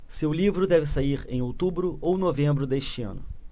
seu livro deve sair em outubro ou novembro deste ano